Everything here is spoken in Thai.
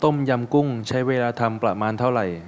ต้มยำกุ้งใช้เวลาทำประมาณเท่าไหร่